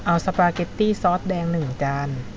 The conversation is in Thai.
เอาสปาเก็ตตี้ซอสแดงหนึ่งจาน